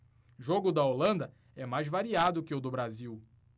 jogo da holanda é mais variado que o do brasil